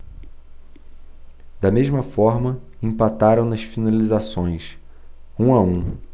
da mesma forma empataram nas finalizações um a um